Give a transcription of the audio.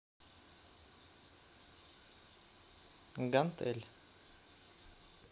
гантель